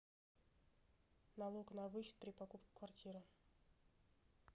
налог на вычет при покупке квартиры